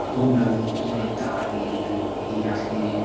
ma' hwnna'n le da rili i allu